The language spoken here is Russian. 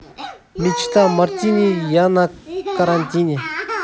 мечта мартини я на карантине